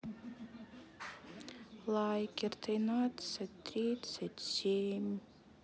лайкер тринадцать тридцать семь